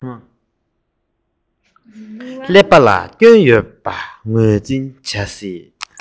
ཀླད པ ལ སྐྱོན ཡོད པ ངོས འཛིན བྱ སྲིད